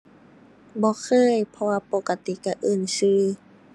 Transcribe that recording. บ่เคย เพราะว่าปกติก็เอิ้นก็